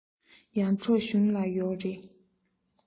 ཡར འབྲོག གཞུང ལ ཡོག རེད